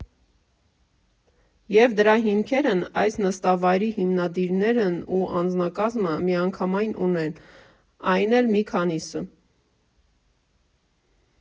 Եվ դրա հիմքերն այս նստավայրի հիմնադիրներն ու անձնակազմը միանգամայն ունեն, այն էլ մի քանիսը։